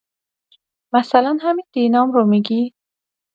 مثلا همین دینام رو می‌گی؟